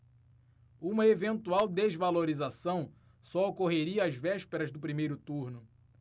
uma eventual desvalorização só ocorreria às vésperas do primeiro turno